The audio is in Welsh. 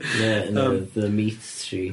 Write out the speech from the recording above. Ie, yym Dimitri.